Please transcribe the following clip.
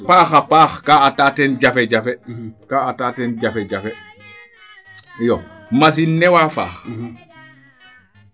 a paax paax kaa ata teen jafe jafe iyo machine ne waa faax